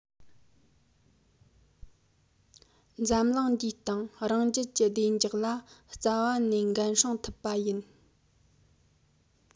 འཛམ གླིང འདིའི སྟེང རང རྒྱལ གྱི བདེ འཇགས ལ རྩ བ ནས འགན སྲུང ཐུབ པ ཡིན